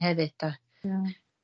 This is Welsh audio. hefyd 'da? Ie.